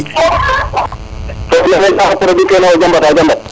produit kene a jambata jambat